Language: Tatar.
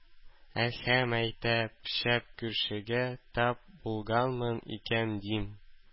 Әһә, мәйтәм, шәп күршегә тап булганмын икән, дим.